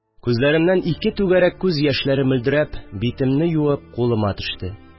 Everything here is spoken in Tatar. Күзләремнән ике түгәрәк күз яшьләре мөлдерәп, битемне юып, кулыма төште